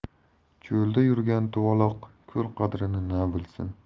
cho'lda yurgan tuvaloq ko'l qadrini na bilsin